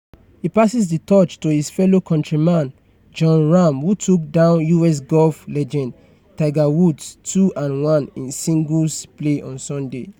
He passes the torch to his fellow countryman John Ram who took down US golf legend Tiger Woods 2&1 in singles play on Sunday.